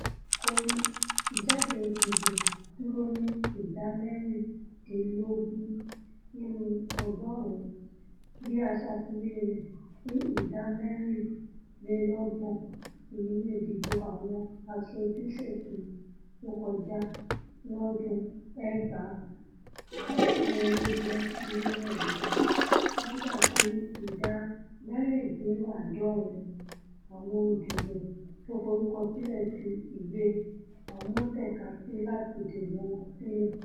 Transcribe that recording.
Bó ti wù kórí, ìjáde-dìbò dúró ní ìdá mẹ́rìndínlógún nínú ìdá ọgọ́ọ̀run, bí a ṣafiwé rẹ̀ sì ìdá mẹ́rìnlélọ́gbọ̀n ti inú ìdìbò àwọn aṣojú-ṣòfin tókọjá lọ́dún 2016 nígbàti ìdá mẹ́rìndíńlá́àádọ́rin àwọn olùdìbò tó forúkọ sílẹ̀ fi ìwé àmútẹkasí láti dìbo wọn sílẹ̀.